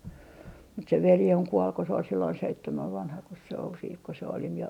mutta se veli on kuoli kun se oli silloin seitsemän vanhakos se oli sitten kun se oli minä